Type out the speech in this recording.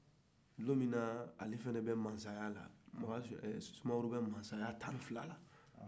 don minna sumaworo bɛ masaya tan ni fila la